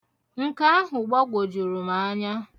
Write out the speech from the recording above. Nke ahụ gbagwojuru m anya